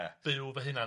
Byw fy hunan.